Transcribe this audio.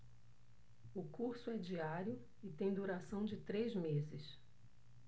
o curso é diário e tem duração de três meses